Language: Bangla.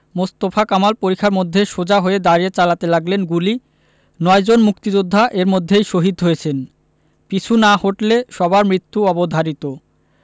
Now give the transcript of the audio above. মোস্তফা কামাল পরিখার মধ্যে সোজা হয়ে দাঁড়িয়ে চালাতে লাগলেন গুলি নয়জন মুক্তিযোদ্ধা এর মধ্যেই শহিদ হয়েছেন পিছু না হটলে সবার মৃত্যু অবধারিত